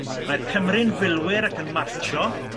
Mae'r Cymry'n filwyr ac yn martio